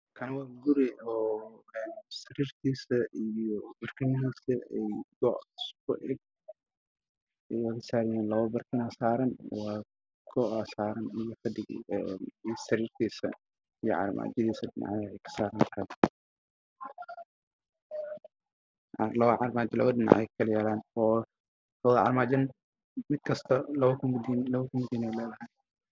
Waxaa yaalla sariir wareeg ah waxaa saaran joodari waa sidoo kale korka saaran maragduud iyo madow isku jirta